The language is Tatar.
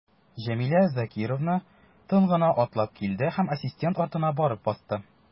Җәмилә Закировна тын гына атлап килде һәм ассистент артына барып басты.